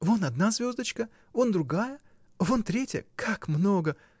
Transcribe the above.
— Вон одна звездочка, вон другая, вон третья: как много!